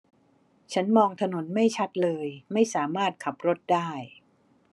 ฉันมองถนนไม่ชัดเลยไม่สามารถขับรถได้